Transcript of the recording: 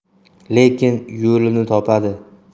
lekin yo'lini topadi